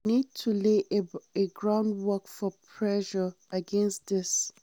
We need to lay the groundwork for pressure against this.